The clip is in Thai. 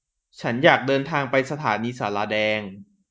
ฉันอยากเดินทางไปสถานีศาลาแดง